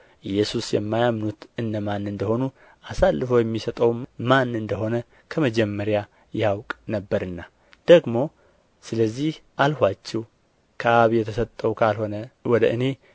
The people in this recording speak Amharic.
ኢየሱስ የማያምኑት እነማን እንደ ሆኑ አሳልፎ የሚሰጠውም ማን እንደ ሆነ ከመጀመሪያ ያውቅ ነበርና ደግሞ ስለዚህ አልኋችሁ ከአብ የተሰጠው ካልሆነ ወደ እኔ